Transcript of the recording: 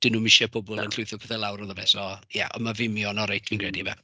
'Dyn nhw ddim isie pobol... na. ...yn llwytho pethe lawr ohono fe, so, ie, ond ma Vimeo yn ôl-reit fi'n credu ife?